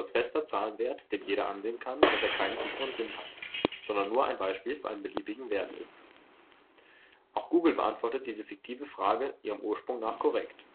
fester Zahlenwert, dem jeder ansehen kann, dass er keinen tieferen Sinn hat, sondern nur ein Beispiel für einen beliebigen Wert ist. Auch Google beantwortet diese fiktive Frage ihrem Ursprung nach korrekt